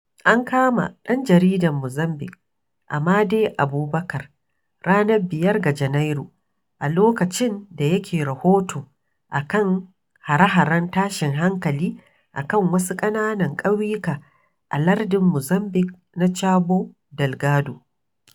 An kama ɗan jaridar Mozambiƙue, Amade Abubacar ranar 5 ga Janairu, a lokacin da yake rahoto a kan hare-haren tashin hankali a kan wasu ƙananan ƙauyuka a lardin Mozambiƙue na Cabo Delgado.